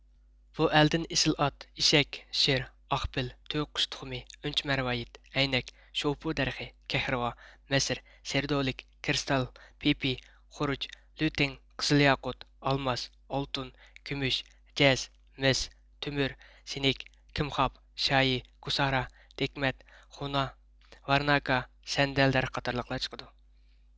بۇ ئەلدىن ئېسىل ئات ئېشەك شىر ئاق پىل تۆگىقۇش تۇخۇمى ئۈنچە مەرۋايىت ئەينەك شوۋپۇ دەرىخى كەھرىۋا مەسر سېردولىك كىرىستال پىپى خورۇج لۈتېڭ قىزىل ياقۇت ئالماس ئالتۇن كۈمۈش جەز مىس تۆمۈر سىنىك كىمخاپ شايى كوسارا تېكمەت خۇنا ۋارناكا سەندەل دەرىخى قاتارلىقلار چىقىدۇ